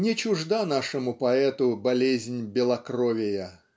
Не чужда нашему поэту болезнь белокровия.